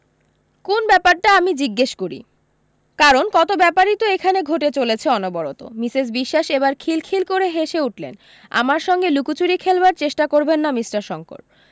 কোন ব্যাপারটা আমি জিজ্ঞেস করি কারণ কত ব্যাপারই তো এখানে ঘটে চলেছে অনবরত মিসেস বিশোয়াস এবার খিলখিল করে হেসে উঠলেন আমার সঙ্গে লুকোচুরি খেলবার চেষ্টা করবেন না মিষ্টার শংকর